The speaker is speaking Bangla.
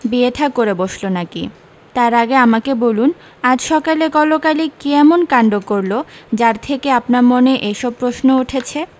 বিয়ে থা করে বসলো নাকি তার আগে আমাকে বলুন আজ সকালে কলকালি কী এমন কাণড করলো যার থেকে আপনার মনে এইসব প্রশ্ন উঠেছে